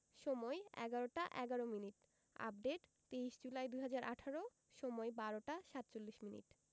সময়ঃ ১১টা ১১মিনিট আপডেট ২৩ জুলাই ২০১৮ সময়ঃ ১২টা ৪৭মিনিট